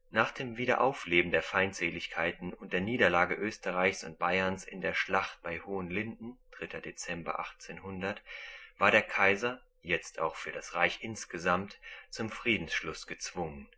Nach dem Wiederaufleben der Feindseligkeiten und der Niederlage Österreichs und Bayerns in der Schlacht bei Hohenlinden (3. Dezember 1800) war der Kaiser – jetzt auch für das Reich insgesamt – zum Friedensschluss gezwungen